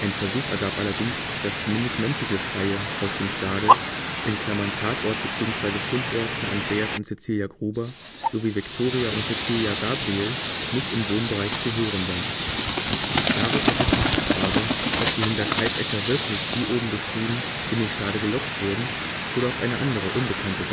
Versuch ergab allerdings, dass zumindest menschliche Schreie aus dem Stadel (Tatort bzw. Fundort von Andreas und Cäzilia Gruber sowie Viktoria und Cäzilia Gabriel) nicht im Wohnbereich zu hören waren. Daraus ergibt sich die Frage, ob die Hinterkaifecker wirklich wie oben beschrieben in den Stadel gelockt wurden oder auf eine andere unbekannte Weise